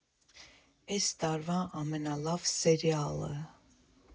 Էս տարվա ամենալավ սերիա՜լը։